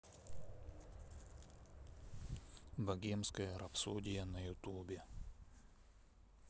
богемская рапсодия на ютубе